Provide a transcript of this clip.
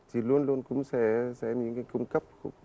thì luôn luôn cũng sẽ sẽ những cái cung cấp